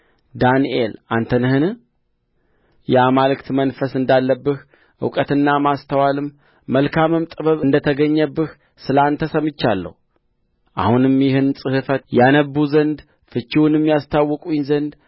ዳንኤል አንተ ነህን የአማልክት መንፈስ እንዳለብህ እውቀትና ማስተዋልም መልካምም ጥበብ እንደ ተገኘብህ ስለ አንተ ሰምቻለሁ አሁንም ይህን ጽሕፈት ያነብቡ ዘንድ ፍቺውንም ያስታውቁኝ ዘንድ